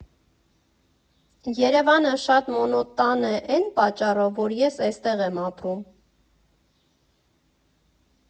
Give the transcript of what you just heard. Երևանը շատ մոնոտան է էն պատճառով, որ ես էստեղ եմ ապրում։